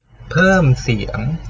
เพิ่มเสียง